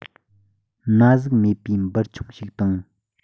ན ཟུག མེད པའི འབུར ཆུང ཞིག དང